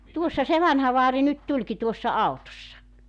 tuossa se vanha vaari nyt tulikin tuossa autossa